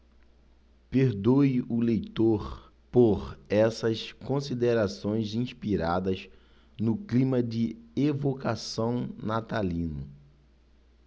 perdoe o leitor por essas considerações inspiradas no clima de evocação natalino